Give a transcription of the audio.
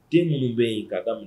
Den minnu bɛ yen k'a ka mun